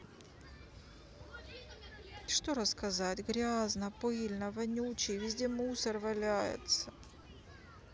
что рассказать грязно пыльно вонючий везде мусор валяется